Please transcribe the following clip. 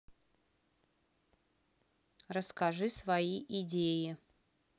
расскажи свои идеи